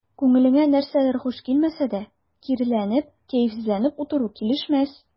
Күңелеңә нәрсәдер хуш килмәсә дә, киреләнеп, кәефсезләнеп утыру килешмәс.